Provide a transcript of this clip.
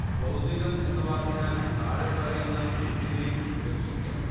ഭൗതികം എന്ന വാക്കിനാൽ താഴെപ്പറയുന്ന എന്തിനേയും വിവക്ഷിക്കാം